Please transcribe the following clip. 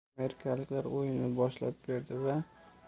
amirliklar o'yinni boshlab